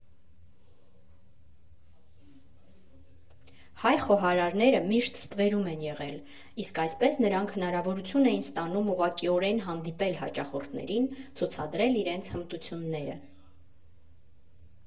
Հայ խոհարարները միշտ ստվերում են եղել, իսկ այսպես նրանք հնարավորություն էին ստանում ուղղակիորեն հանդիպել հաճախորդներին, ցուցադրել իրենց հմտությունները։